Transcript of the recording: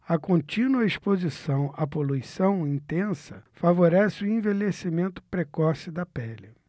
a contínua exposição à poluição intensa favorece o envelhecimento precoce da pele